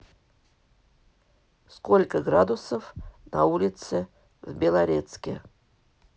сколько градусов на улице в белорецке